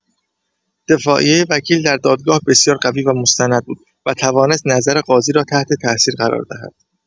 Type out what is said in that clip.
دفاعیه وکیل در دادگاه بسیار قوی و مستند بود و توانست نظر قاضی را تحت‌تاثیر قرار دهد.